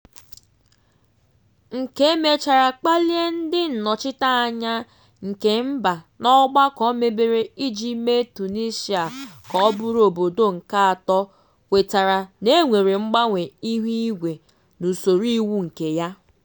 Nke mechara kpalie ndị nnọchiteanya nke mba na ọgbakọ mebere iji mee Tunisia ka ọ bụrụ obodo nke atọ kwetara na e nwere mgbanwe ihuigwe n'usoro iwu nke ya.